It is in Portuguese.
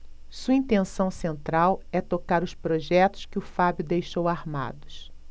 sua intenção central é tocar os projetos que o fábio deixou armados